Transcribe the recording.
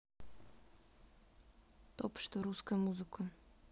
топ что русская музыка